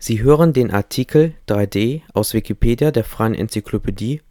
Sie hören den Artikel 3D, aus Wikipedia, der freien Enzyklopädie